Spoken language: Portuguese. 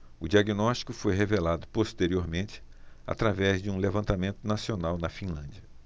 o diagnóstico foi revelado posteriormente através de um levantamento nacional na finlândia